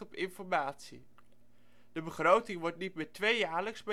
informatie) de begroting wordt niet meer tweejaarlijks